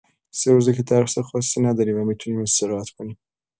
سه‌روزه که درس خاصی نداریم و می‌تونیم استراحت کنیم.